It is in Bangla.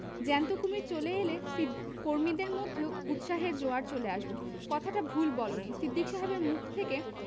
জ্যান্ত কুমীর চলে এলে সিদ কর্মীদের মধ্যেও উৎসাহের জোয়ার চলে আসবে কথাটা ভুল বলনি সিদ্দিক সাহেবের মুখ থেকে